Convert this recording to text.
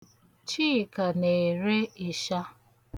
Chika na-ere ịsha.